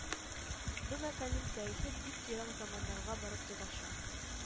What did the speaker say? Бу мәкальнең тарихы бик ерак заманнарга барып тоташа.